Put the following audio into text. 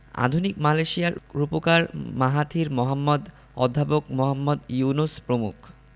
আধুনিক মালয়েশিয়ার রূপকার মাহাথির মোহাম্মদ অধ্যাপক মুহম্মদ ইউনুস প্রমুখ